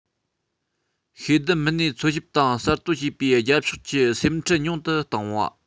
ཤེས ལྡན མི སྣས འཚོལ ཞིབ དང གསར གཏོད བྱེད པའི རྒྱབ ཕྱོགས ཀྱི སེམས ཁྲལ ཉུང དུ གཏོང བ